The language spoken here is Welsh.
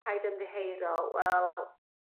paid ymddiheuro wel